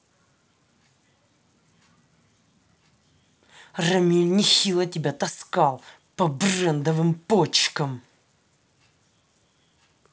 рамиль нехило тебя таскал по брендовым почкам